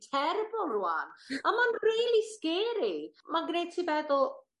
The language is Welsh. terrible rŵan. A ma'n rili scary. Ma'n gneud ti feddwl